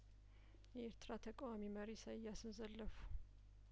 የኤርትራ ተቃዋሚ መሪ ኢሳያስን ዘለፉ